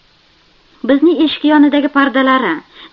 bizni eshik yonidagi pardalari